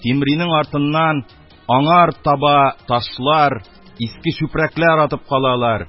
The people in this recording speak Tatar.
Тимринең артыннан аңар таба ташлар, иске чүпрәкләр атып калалар.